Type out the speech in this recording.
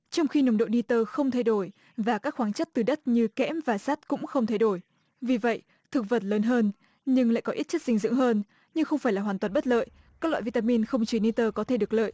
trong khi nồng độ ni tơ không thay đổi và các khoáng chất từ đất như kẽm và sắt cũng không thay đổi vì vậy thực vật lớn hơn nhưng lại có ít chất dinh dưỡng hơn nhưng không phải là hoàn toàn bất lợi các loại vi ta min không chỉ ni tơ có thể được lợi